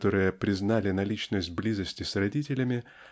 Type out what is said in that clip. которые признали наличность близости с родителями